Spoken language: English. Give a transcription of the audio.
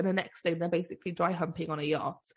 And the next thing, they’re basically dry humping on a yacht.